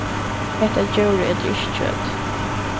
hetta djórið etur ikki kjøt